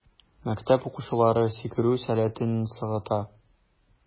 Мәктәп укучылары сикерү сәләтен ныгыта.